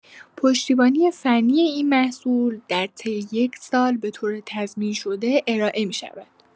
پشتیبانی فنی این محصول در طی یک سال به‌طور تضمین‌شده ارائه می‌شود.